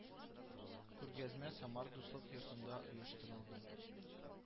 Күргәзмә Самар дуслык йортында оештырылды